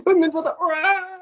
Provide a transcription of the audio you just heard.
Mae'n mynd i fod... aa!